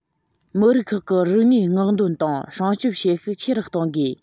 མི རིགས ཁག གི རིག གནས སྔོག འདོན དང སྲུང སྐྱོང བྱེད ཤུགས ཆེ རུ གཏོང དགོས